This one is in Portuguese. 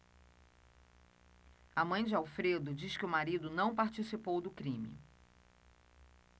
a mãe de alfredo diz que o marido não participou do crime